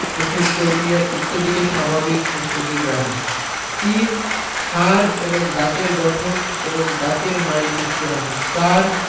চোখের কর্নিয়া ইত্যাদিকে স্বাভাবিক ও সজীব রাখে ৩. হাড় এবং দাঁতের গঠন এবং দাঁতের মাড়ি সুস্থ রাখে ৪.